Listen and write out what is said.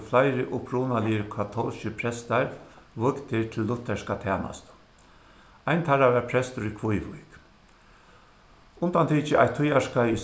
fleiri upprunaligir katólskir prestar vígdir til lutherska tænastu ein teirra var prestur í kvívík undantikið eitt tíðarskeið í